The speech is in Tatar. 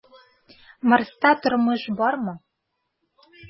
"марста тормыш бармы?"